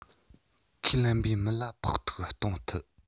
ཁས ལེན པའི མི ལ ཕོག ཐུག གཏོང ཐུབ